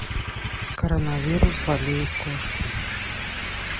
коронавирус болеют кошки